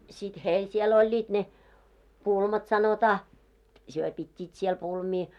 sitten heillä siellä olivat ne pulmat sanotaan he pitivät siellä pulmia